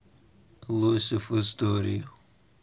лосев истории